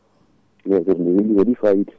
yewtere nde weeli waɗi fayida